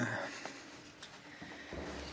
Yy.